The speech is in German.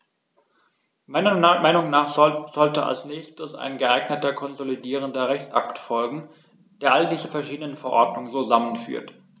Meiner Meinung nach sollte als nächstes ein geeigneter konsolidierender Rechtsakt folgen, der all diese verschiedenen Verordnungen zusammenführt.